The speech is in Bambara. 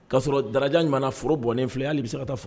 K'a sɔrɔ Darajan ɲumana foro bɔnnen filɛ hali i b'i se ka taa